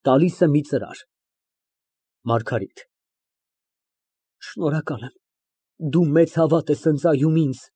ՄԱՐԳԱՐԻՏ ֊ Շնորհակալ եմ, դու մեծ հավատ ես ընծայում ինձ։